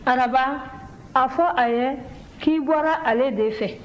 araba a fɔ a ye k'i bɔra ale de fɛ